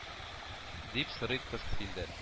Дип сорый кыз филдән